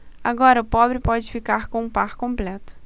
agora o pobre pode ficar com o par completo